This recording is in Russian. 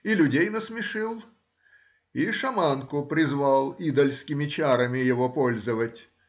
и людей насмешил, и шаманку призвал идольскими чарами его пользовать